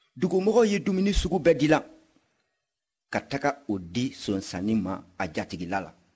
dugumɔgɔ ye dumuni sugu bɛɛ dilan ka taga o di sonsannin ma a jatigila la